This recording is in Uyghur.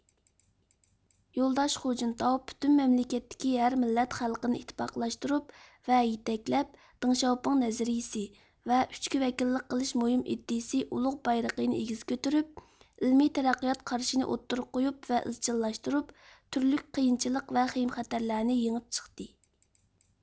يولداش خۇجىنتاۋ پۈتۈن مەملىكەتتىكى ھەر مىللەت خەلقنى ئىتتىپاقلاشتۇرۇپ ۋە يېتەكلەپ دېڭشياۋپىڭ نەزەرىيىسى ۋە ئۈچكە ۋەكىللىك قىلىش مۇھىم ئىدىيىسى ئۇلۇغ بايرىقىنى ئېگىز كۆتۈرۈپ ئىلمىي تەرەققىيات قارىشىنى ئوتتۇرىغا قويۇپ ۋە ئىزچىللاشتۇرۇپ تۈرلۈك قىيىنچىلىق ۋە خېيمخەتەرلەرنى يېڭىپ چىقتى